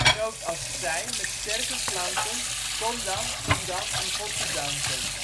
Nood als zij met sterker klanken, Kom dan, kom dan om God te danken